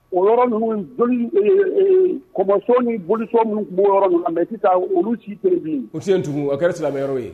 O yɔrɔ kɔmɔ sɔ boli yɔrɔ mɛ taa olu ci kelen se yen tugun kɛra silamɛ yɔrɔ ye